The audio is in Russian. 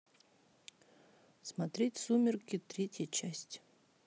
смотреть сумерки третья часть